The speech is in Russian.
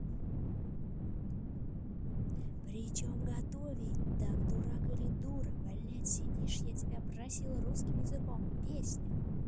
при чем готовить так дурак или дура блять сидишь я тебя просил русским языком песня